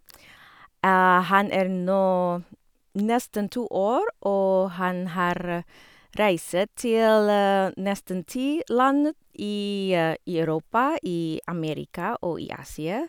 Han er nå nesten to år, og han har reise til nesten ti land i i Europa, i Amerika og i Asia.